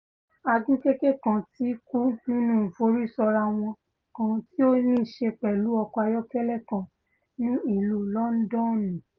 Agunkẹ̀kẹ́ kan ti kú nínú ìforísọrawọn kan tí ó nííṣe pẹ̀lú ọkọ ayọ́kẹ́lẹ́ kan ní ìlú Lọndọnu.